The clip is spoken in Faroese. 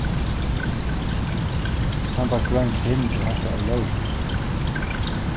sambært grein fimm er hetta ólógligt